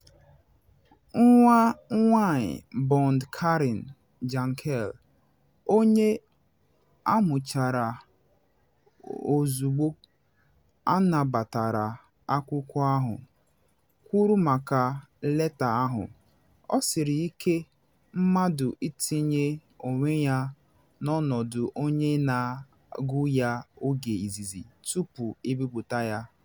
Nwa nwanyị Bond Karen Jankel, onye amụchara ozugbo anabatara akwụkwọ ahụ, kwuru maka leta ahụ: “O siri ike mmadụ itinye onwe ya n’ọnọdụ onye na agụ ya oge izizi tupu ebipute ya.